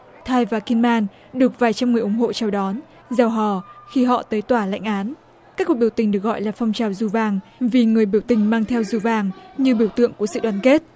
thai va ki man được vài trăm người ủng hộ chào đón reo hò khi họ tới tòa lãnh án các cuộc biểu tình được gọi là phong trào du vang vì người biểu tình mang theo du vang như biểu tượng của sự đoàn kết